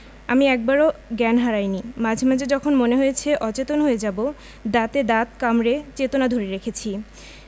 আমি একবারও জ্ঞান হারাইনি মাঝে মাঝে যখন মনে হয়েছে অচেতন হয়ে যাবো দাঁতে দাঁত কামড়ে চেতনা ধরে রেখেছি